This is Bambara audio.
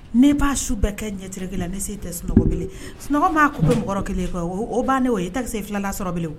Ne b'a su bɛɛ kɛ ɲɛtirikelen la ne se tɛ sunɔgɔ kelen sunɔgɔ ma kun bɛ mɔgɔ kelen fɛ o o bannen o ye ta se filala sɔrɔ bilen